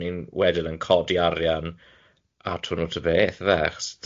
ni'n wedyn yn codi arian a y beth yfe, achos dyna